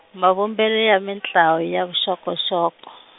mavumbelo ya mintlawa ya vuxokoxoko.